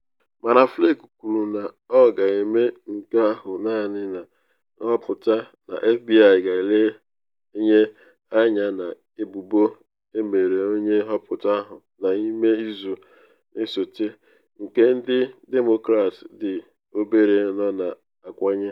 Mana Flake kwuru na ọ ga-eme nke ahụ naanị na nghọta na FBI ga-elenye anya na ebubo emere onye nhọpụta ahụ n’ime izu na esote, nke ndị Demokrats dị obere nọ na akwanye.